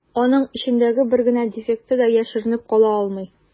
Аның эчендәге бер генә дефекты да яшеренеп кала алмый.